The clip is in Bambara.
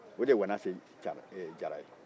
o de ye wanase jara ye